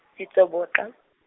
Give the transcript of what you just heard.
Ditsobotla.